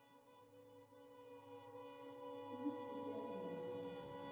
Ինչ դիտել հիմա.